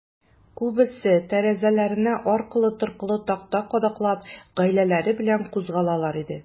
Күбесе, тәрәзәләренә аркылы-торкылы такта кадаклап, гаиләләре белән кузгалалар иде.